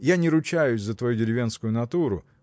Я не ручаюсь за твою деревенскую натуру